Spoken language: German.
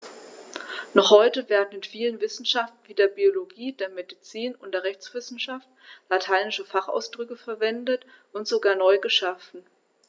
Noch heute werden in vielen Wissenschaften wie der Biologie, der Medizin und der Rechtswissenschaft lateinische Fachausdrücke verwendet und sogar neu geschaffen.